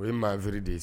O ye mari de ye